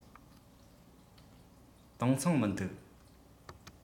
དེང སང མི འདུག